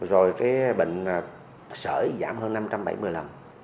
rồi cái bệnh nặng sởi giảm hơn năm trăm bảy mươi lần